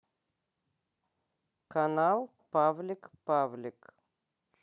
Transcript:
канал павлик павлик